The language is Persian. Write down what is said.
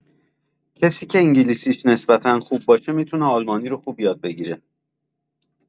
کسی انگلیسیش نسبتا خوب باشه می‌تونه المانی رو خوب یاد بگیره.